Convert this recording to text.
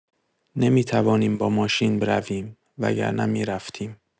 نمی‌توانیم با ماشین برویم، وگرنه می‌رفتیم.